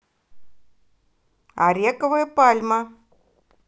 арековая пальма